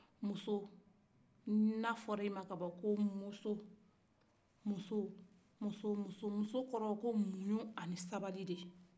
muso na fɔra i ma ka ban ko muso muso kɔrɔ ko muɲun ani sabali